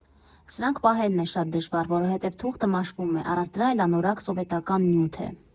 Սրանք պահելն է շատ դժվար, որովհետև թուղթը մաշվում է, առանց դրա էլ անորակ սովետական նյութ է։